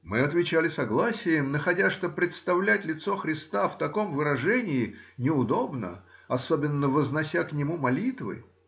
Мы отвечали согласием, находя, что представлять лицо Христа в таком выражении неудобно, особенно вознося к нему молитвы.